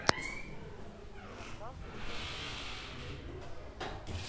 равшан и джамшут все серии